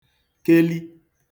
keli